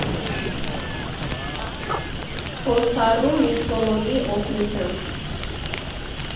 Փորձառու միքսոլոգի օգնությամբ։